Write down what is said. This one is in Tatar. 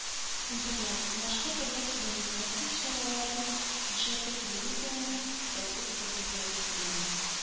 Интернет, башка төрле коммуникация чараларын, әшәке телевидениене, әдәпсез әдәбиятны